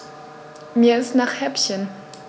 Mir ist nach Häppchen.